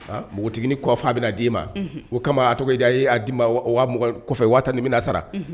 Npogotigiini kɔ fa bi na di ma .o kama a tɔgɔ ye di kɔfɛ 20000 ni 10000 bi na di ma.